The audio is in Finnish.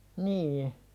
niin